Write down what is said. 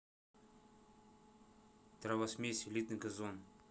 травосмесь элитный газон